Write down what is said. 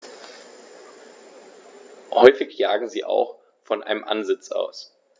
Häufig jagen sie auch von einem Ansitz aus.